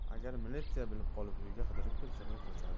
agar militsiya bilib qolib uyga qidirib kelsa u qochadi